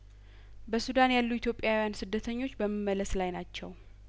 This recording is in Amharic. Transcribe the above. በሱዳን ያሉ ኢትዮጵያውያን ስደተኞች በመመለስ ላይ ናቸው